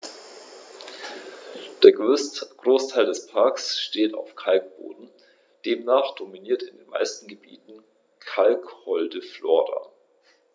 Ein Großteil des Parks steht auf Kalkboden, demnach dominiert in den meisten Gebieten kalkholde Flora.